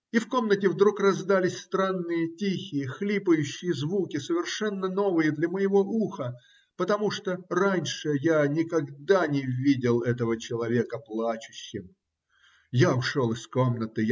И в комнате вдруг раздались странные тихие, хлипающие звуки, совершенно новые для моего уха, потому что раньше я никогда не видел этого человека плачущим. Я ушел из комнаты.